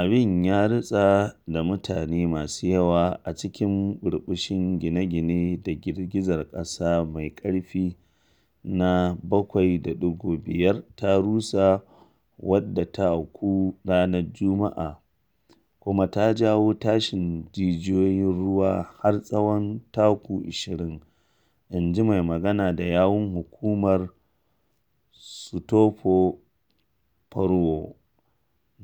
Abin ya ritsa da mutane masu yawa a cikin burbushin gine-gine da girgizar ƙasar mai ƙarfi na 7.5 ta rusa wadda ta auku ranar Juma’a kuma ta jawo tashin jijiyoyin ruwa har tsawon taku 20, inji mai magana da yawun hukumar Sutopo Purwo